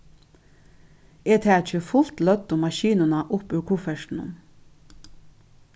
eg taki fult løddu maskinuna upp úr kuffertinum